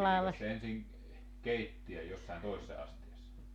pitikös se ensin keittää jossakin toisessa astiassa